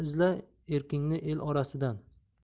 izla erkingni el orasidan